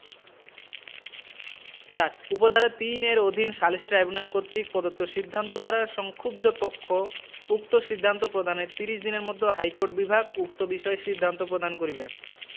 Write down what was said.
৪ উপ ধারা ৩ এর অধীন সালিসী ট্রাইব্যুনাল কর্তৃক প্রদত্ত সিদ্ধান্ত দ্বারা সংক্ষুব্ধ পক্ষ উক্ত সিদ্ধান্ত প্রদানের ত্রিশ দিনের মধ্যে হাইকোর্ট বিভাগ উক্ত বিষয়ে সিদ্ধান্ত করিবে